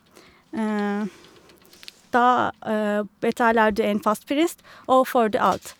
Da betaler du en fastpris, og får du alt.